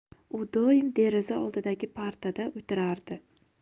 u doim deraza oldidagi partada o'tirardi